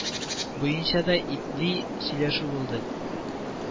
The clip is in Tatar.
Буенча да итди сөйләшү булды